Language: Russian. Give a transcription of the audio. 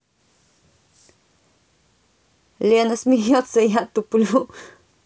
лена смеется я туплю